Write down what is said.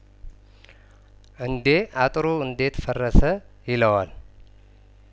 እንዴ አጥሩ እንዴት ፈረሰ ይለዋል